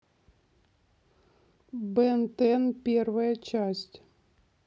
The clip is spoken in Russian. бен тэн первая часть